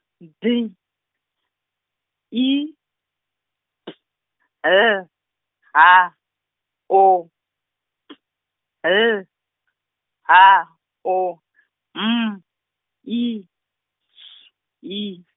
D I T L H O T L H O M I S I.